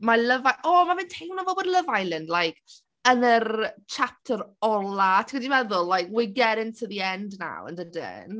Mae Love I-... O! Ma' fe'n teimlo fel bod Love Island like yn yr chapter ola. Tibod be fi'n meddwl like we getting to the end now yn dydyn?